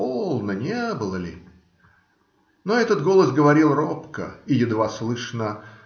"полно, не было ли?", но этот голос говорил робко и едва слышно.